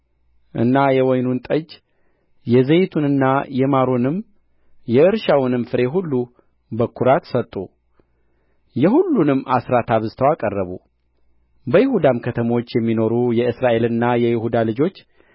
እና የወይኑን ጠጅ የዘይቱንና የማሩንም የእርሻውንም ፍሬ ሁሉ በኵራት ሰጡ የሁሉንም አሥራት አብዝተው አቀረቡ በይሁዳም ከተሞች የሚኖሩ የእስራኤልና የይሁዳ ልጆች